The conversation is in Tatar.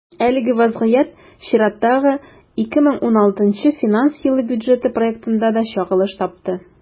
Әлеге вазгыять чираттагы, 2016 финанс елы бюджеты проектында да чагылыш тапты.